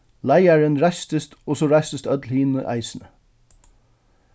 leiðarin reistist og so reistust øll hini eisini